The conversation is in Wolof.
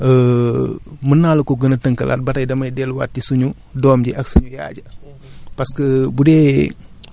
loolu noonu ban différence lay am ci sol mën naa la koo gën a tënkalaat ba tay damay delluwaat ci suñu doom ji ak suñu yaay ja